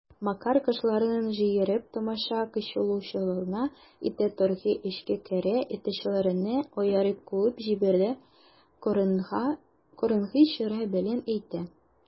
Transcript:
Макар, кашларын җыерып, тамаша кылучыларны этә-төртә эчкә керә, әтәчләрне аерып куып җибәрә, караңгы чырай белән әйтә: